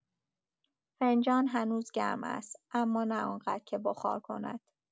فنجان هنوز گرم است، اما نه آن‌قدر که بخار کند.